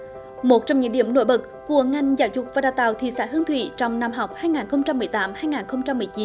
một trong những điểm nổi bật của ngành giáo dục và đào tạo thị xã hương thủy trong năm học hai nghìn không trăm mười tám hai nghìn không trăm mười chín